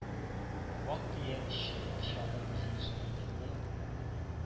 Вак-төяк чыбык-чабык җыештырдым да